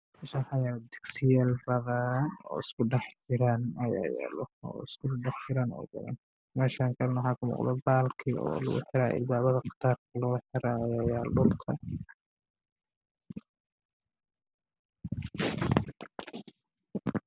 Ha ii muuqda dugsiyaal midabkooda yahay madow oo meel saaran oo la iibinayo miisa cadaan ay saaran yihiin